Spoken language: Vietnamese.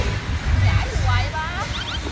ba gãi gì hoài dậy ba